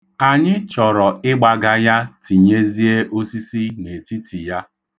Anyị chọrọ ịgbaga ya, tinyezie osisi n'etiti ya.